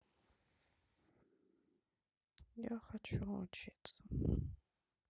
я хочу учится